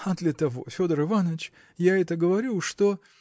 -- А для того, Федор Иваныч, я это говорю, что.